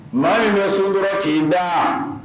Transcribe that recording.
Maa min bɛ suntura kinin da